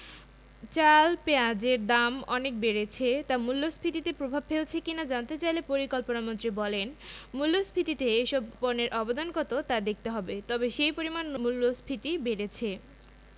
চাল পেঁয়াজের দাম অনেক বেড়েছে তা মূল্যস্ফীতিতে প্রভাব ফেলছে কি না জানতে চাইলে পরিকল্পনামন্ত্রী বলেন মূল্যস্ফীতিতে এসব পণ্যের অবদান কত তা দেখতে হবে তবে সেই পরিমাণ মূল্যস্ফীতি বেড়েছে